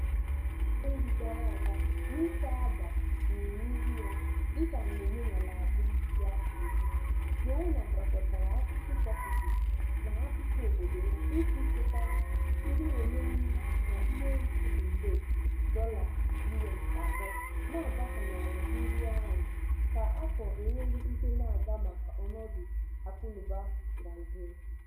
Afọ iri gara aga, n'ite agba uhie n'ihu ya, dịka n'omenala agbụrụ ya si dị, Joenia gwakọtara asụsụ Portuguese na asụsụ obodo ya iji chetara ndị omeiwu na ihe ruru nde dollar US atọ na-agbasa n'ala ndị ahụ kwa afọ n'enweghị nke na-aga maka ọnọdụ akụnaụba Brazil.